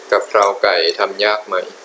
กะเพราไก่ทำยากไหม